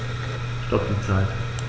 Stopp die Zeit